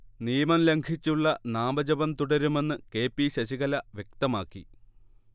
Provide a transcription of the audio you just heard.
നിയമം ലംഘിച്ചുള്ള നാമജപം തുടരുമെന്ന് കെ പി ശശികല വ്യക്തമാക്കി